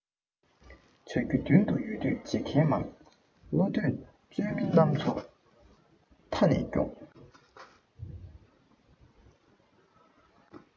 བྱ རྒྱུ མདུན དུ ཡོད དུས བྱེད མཁན མང བློ གཏད བཅོལ མི རྣམས ཚོ མཐའ ནས སྐྱོངས